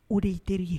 O de ye teriri ye